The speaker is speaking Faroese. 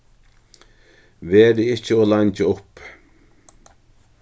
verið ikki ov leingi uppi